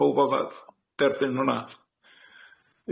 Powb odda- derbyn hwnna?